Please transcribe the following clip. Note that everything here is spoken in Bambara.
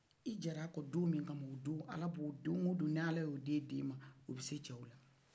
i jɛn'a kɔ do mi kama o don dogodo n'ala y a den d'i ma o bɛ se cɛwla